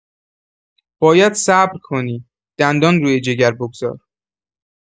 باید صبر کنی، دندان روی جگر بگذار.